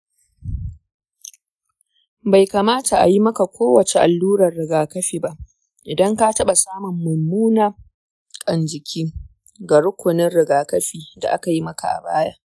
bai kamata a yi maka kowace allurar rigakafi ba idan ka taɓa samun mummuna ƙan jiki ga rukunin rigakafi da aka yi maka a baya.